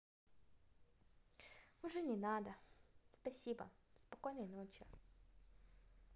уже не надо спасибо спокойной ночи